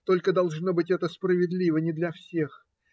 только, должно быть, это справедливо не для всех.